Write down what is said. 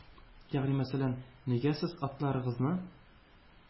Ягъни мәсәлән, нигә сез атларыгызны